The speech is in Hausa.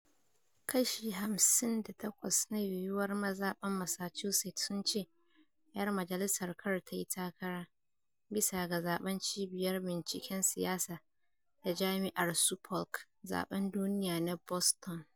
Kashi hamsin da takwas na “yiyuwar” mazaban Massachusetts sun ce ‘yar majalisar kar tayi takara, bisa ga zaben Cibiyar Binciken Siyasa ta Jimi’ar Suffolk/Zaben Duniya na Boston.